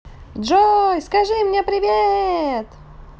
джой скажи мне привет